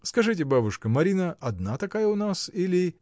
— Скажите, бабушка: Марина одна такая у нас, или.